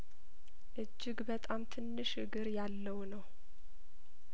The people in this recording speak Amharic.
እጅግ በጣም ትንሽ እግር ያለው ነው